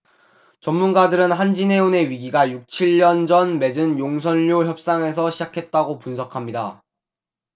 전문가들은 한진해운의 위기가 육 칠 년 전 맺은 용선료 협상에서 시작했다고 분석합니다